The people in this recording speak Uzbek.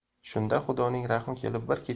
shunda xudoning rahmi kelib bir kechada